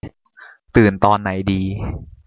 ตื่นตอนไหนดี